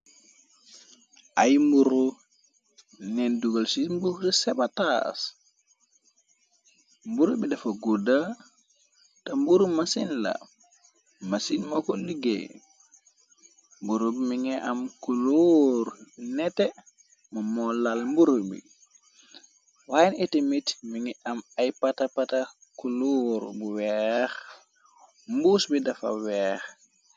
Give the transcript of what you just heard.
Ay mburu nen dugal ci mbus sewatas mburu bi dafa gudda te mburu masin la masin moko liggee mburu b mi ngi am kulóor nete ma moo lal mburu bi wyen eti mit mi ngi am ay patapata kuloor bu weex mbuus bi dafa weex.